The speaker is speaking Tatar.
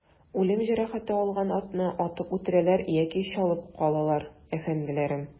Үлем җәрәхәте алган атны атып үтерәләр яки чалып калалар, әфәнделәрем.